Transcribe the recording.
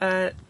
yy